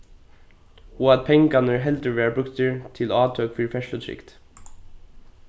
og at pengarnir heldur verða brúktir til átøk fyri ferðslutrygd